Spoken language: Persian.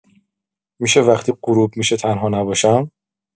می‌شه وقتی غروب می‌شه تنها نباشم؟